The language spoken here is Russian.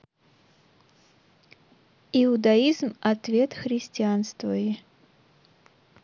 иудаизм ответ христианствои